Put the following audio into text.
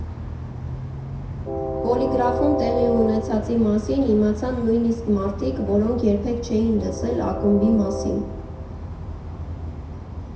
Պոլիգրաֆում տեղի ունեցածի մասին իմացան նույնիսկ մարդիկ, որոնք երբեք չէին լսել ակումբի մասին։